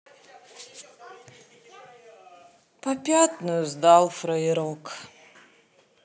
попятную сдал фраерок